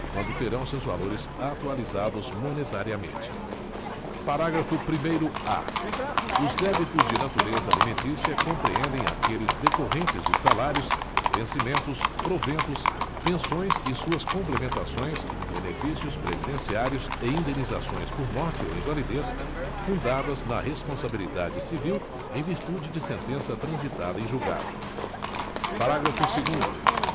quando terão seus valores atualizados monetariamente parágrafo primeiro a os débitos de natureza alimentícia compreendem aqueles decorrentes de salários vencimentos proventos pensões e suas complementações benefícios previdenciários e indenizações por morte ou invalidez fundadas na responsabilidade civil em virtude de sentença transitada em julgado parágrafo segundo